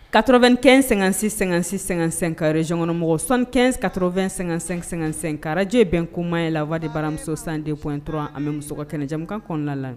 95 56 56 55 région kɔnɔmɔgɔw 75 80 55 55 , arajo ye bɛnkuma ye la voix de baramuso 102.3 an bɛ musow ka kɛnɛ jɛmukan kɔnɔna na